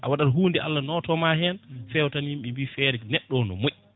a waɗat hunde Allah nootoma hen fewa tan yimɓe mbiya feere neɗɗo o ne moƴƴi